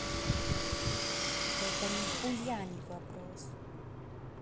это нихуя не вопрос